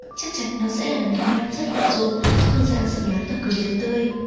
chắc chắn đó sẽ là một năm rất bận rộn hương giang dự đoán và cười thật tươi